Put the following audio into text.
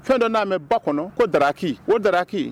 Fɛn dɔ n'a mɛn ba kɔnɔ ko daraki o daraki